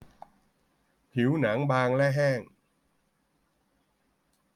ผิวหนังบางและแห้ง